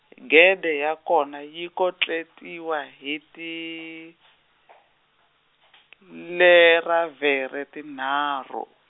gede ya kona yi kotletiwa hi tivleravhere tinharhu.